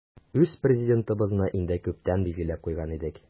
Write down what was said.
Үз Президентыбызны инде күптән билгеләп куйган идек.